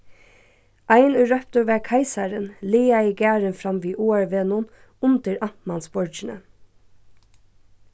ein ið róptur varð keisarin laðaði garðin fram við áarvegnum undir amtmansborgini